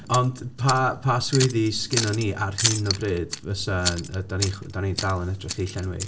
Ond pa pa swyddi sy gennyn ni ar hyn o bryd fysa... dan ni... dan ni'n dal yn edrych i llenwi?